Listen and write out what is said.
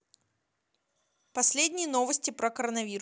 последние новости про коронавирус